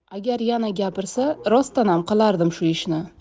agar yana gapirsa rostdanam qilardim shu ishni